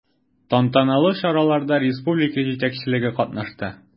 Тантаналы чараларда республика җитәкчелеге катнашты.